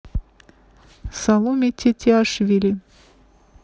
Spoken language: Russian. саломи тетиашвили